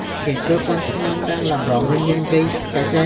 hiện cơ quan chức năng đang làm rõ nguyên nhân gây cháy xe